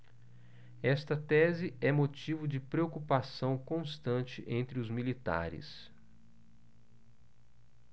esta tese é motivo de preocupação constante entre os militares